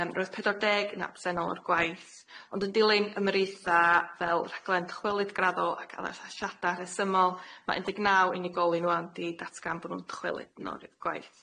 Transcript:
Yym roedd pedwar deg yn absennol o'r gwaith, ond yn dilyn ymreitha fel rhaglen dychwelyd graddol ag as- asiada rhesymol, ma' un deg naw unigolyn ŵan di datgan bo' nw'n dychwelyd nôl y gwaith.